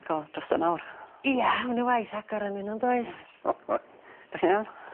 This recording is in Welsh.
Go- drysa' mawr. Ia ma' 'na waith agor arnyn n'w yndoes? Oes. 'Dach chi'n iawn?